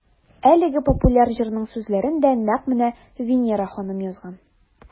Әлеге популяр җырның сүзләрен дә нәкъ менә Винера ханым язган.